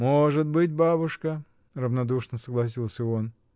— Может быть, бабушка, — равнодушно согласился он.